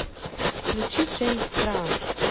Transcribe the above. включи джеймс браун